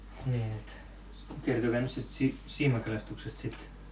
niin että kertokaa nyt siitä siitä siimakalastuksesta sitten